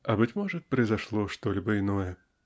А быть может, произошло что-либо иное.